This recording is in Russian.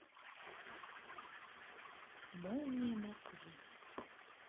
молния маквин